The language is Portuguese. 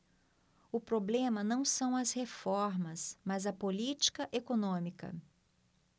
o problema não são as reformas mas a política econômica